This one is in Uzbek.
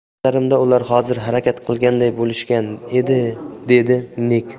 nazarimda ular hozir harakat qilganday bo'lishgan edi dedi nig